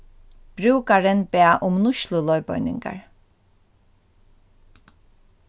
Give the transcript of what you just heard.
brúkarin bað um nýtsluleiðbeiningar